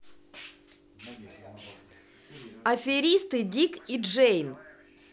аферисты дик и джейн